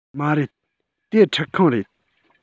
མ རེད དེ ཁྲུད ཁང རེད